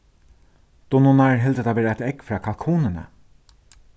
dunnurnar hildu tað vera eitt egg frá kalkunini